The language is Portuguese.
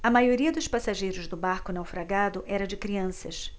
a maioria dos passageiros do barco naufragado era de crianças